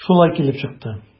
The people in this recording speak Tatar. Шулай килеп чыкты.